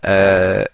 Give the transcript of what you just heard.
Yy.